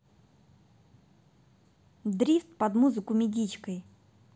дрифт под музыку медичкой